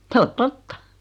se on totta